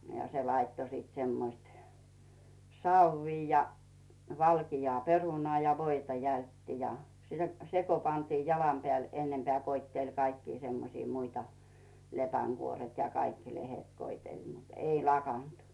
ja se laittoi sitten semmoiset savea ja valkeaa perunaa ja voita jältti ja se kun pantiin jalan päälle ennempää koetteli kaikkia semmoisia muita lepänkuoret ja kaikki lehdet koetteli mutta ei lakannut